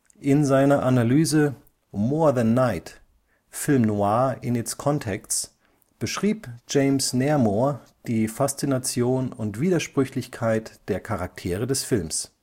In seiner Analyse More than Night: Film Noir in Its Contexts beschrieb James Naremore die Faszination und Widersprüchlichkeit der Charaktere des Films